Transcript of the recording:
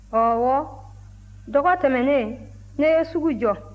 ɔwɔ dɔgɔ tɛmɛnnen ne ye sugu jɔ